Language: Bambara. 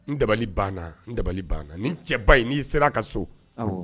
N dabali banna dabali banna ni cɛba in n'i sera ka so, awɔ